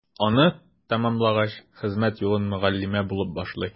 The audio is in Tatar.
Аны тәмамлагач, хезмәт юлын мөгаллимә булып башлый.